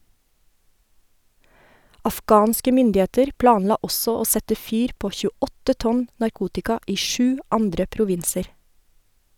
Afghanske myndigheter planla også å sette fyr på 28 tonn narkotika i sju andre provinser.